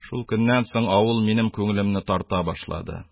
Шул көннән соң авыл минем күңелемне тарта башлады.